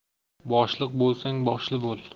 boshliq bo'lsang boshli bo'l